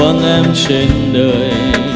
trên đời